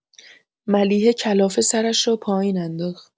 ملیحه کلافه سرش را پایین انداخت.